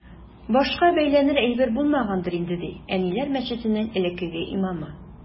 Башка бәйләнер әйбер булмагангадыр инде, ди “Әниләр” мәчетенең элекке имамы.